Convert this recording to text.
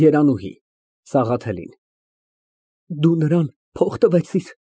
ԵՐԱՆՈՒՀԻ ֊ (Սաղաթելին) Դու նրան փող տվեցի՞ր։